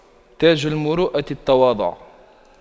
تاج المروءة التواضع